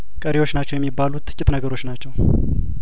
ቀሪዎች ናቸው የሚባሉ ጥቂት ነገሮች ናቸው